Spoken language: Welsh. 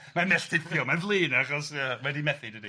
Mae'n melltithio mae'n flin achos yy mae 'di methu dydi?